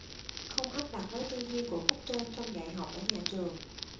không áp đặt lối tư duy của cấp trên trong dạy học ở nhà trường